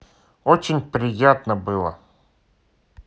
очень приятно было